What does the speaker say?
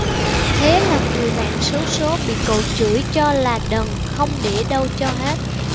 thế là người bạn xấu số bị cậu chửi cho là đần không để đâu cho hết